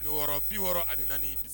Wɔɔrɔ bi wɔɔrɔ ani naani